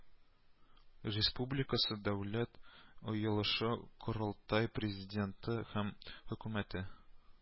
Республикасы Дәүләт ыелышы-Корылтай, Президенты һәм Хөкүмәте